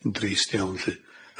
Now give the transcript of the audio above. yn drist iawn lly.